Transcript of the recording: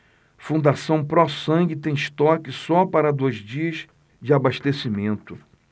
fundação pró sangue tem estoque só para dois dias de abastecimento